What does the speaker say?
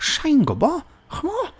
Sa i'n gwbo, chimod?